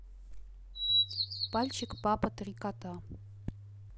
пальчик папа три кота